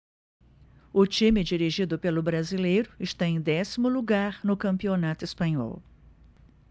o time dirigido pelo brasileiro está em décimo lugar no campeonato espanhol